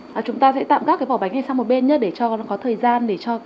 à chúng ta sẽ tạm gác cái vỏ bánh này sang một bên nhớ để cho nó có thời gian để cho